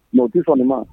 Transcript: Mais u tɛ sɔn ni ma.